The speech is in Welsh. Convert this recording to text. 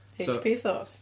So... HP Sauce.